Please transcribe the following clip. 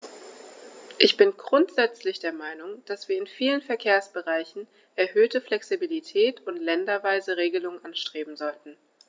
Ich bin grundsätzlich der Meinung, dass wir in vielen Verkehrsbereichen erhöhte Flexibilität und länderweise Regelungen anstreben sollten.